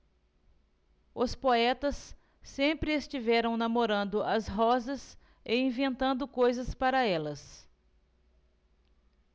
os poetas sempre estiveram namorando as rosas e inventando coisas para elas